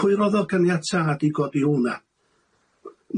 Pwy roddodd ganiatâd i godi hwnna?